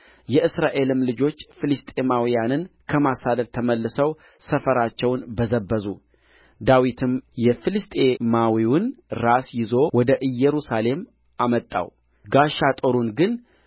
የእስራኤልም ልጆች ፍልስጥኤማውያንን ከማሳደድ ተመልሰው ሰፈራቸውን በዘበዙ ዳዊትም የፍልስጥኤማዊውን ራስ ይዞ ወደ ኢየሩሳሌም አመጣው ጋሻ ጦሩን ግን